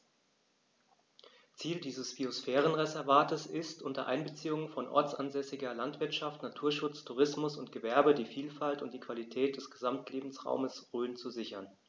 Ziel dieses Biosphärenreservates ist, unter Einbeziehung von ortsansässiger Landwirtschaft, Naturschutz, Tourismus und Gewerbe die Vielfalt und die Qualität des Gesamtlebensraumes Rhön zu sichern.